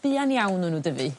buan iawn newn n'w dyfu.